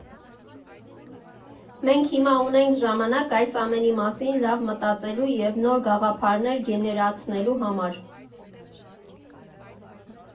֊ Մենք հիմա ունենք ժամանակ այս ամենի մասին լավ մտածելու և նոր գաղափարներ գեներացնելու համար»։